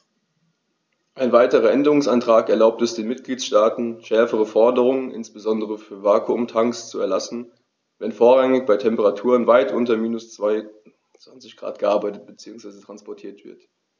Ein weiterer Änderungsantrag erlaubt es den Mitgliedstaaten, schärfere Forderungen, insbesondere für Vakuumtanks, zu erlassen, wenn vorrangig bei Temperaturen weit unter minus 20º C gearbeitet bzw. transportiert wird.